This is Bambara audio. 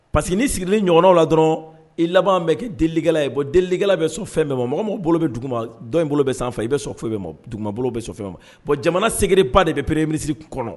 Parce que n'i siril'i ɲɔgɔnnaw na dɔrɔn i laban bɛ kɛ delikɛla ye, bon delikɛlala bɛ sɔn fɛn bɛɛ ma mɔgɔ o mɔgɔ bolo bɛ duguma dɔ in bolo bɛ sanfɛ i bɛ sɔn fɛn bɛɛ ma, dugu bolo bɛ sɔn fɛn bɛɛ ma, bon jamana secret ba de bɛ premier ministre kɔnɔ